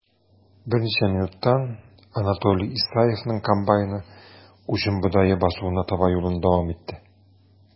Берничә минуттан Анатолий Исаевның комбайны уҗым бодае басуына таба юлын дәвам итте.